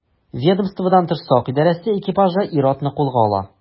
Ведомстводан тыш сак идарәсе экипажы ир-атны кулга ала.